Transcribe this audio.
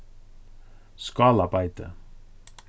skálabeiti